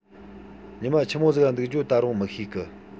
ཉི མ ཆི མོ ཟིག ག འདུག རྒྱུའོ ད རུང མི ཤེས གི